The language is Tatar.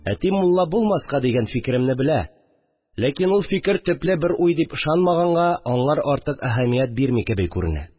Әти мулла булмаска дигән фикеремне белә, ләкин ул фикер төпле бер уй дип ишанмаганга, аңар артык әһәмият бирми кеби күренә